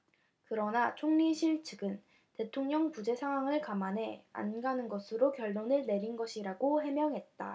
그러나 총리실측은 대통령 부재 상황을 감안해 안 가는 것으로 결론을 내린 것이라고 해명했다